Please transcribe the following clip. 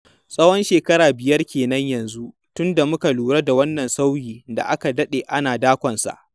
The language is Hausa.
Tsawon shekara biyar ke nan yanzu tunda muka lura da wannan sauyi da aka daɗe ana dakon sa.